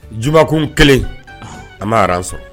Jbakun kelen an ma sɔn